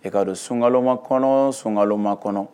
I k'a don Sunkalomakɔnɔ o Sunkalomakɔnɔ